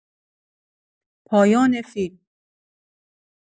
پایان فیلم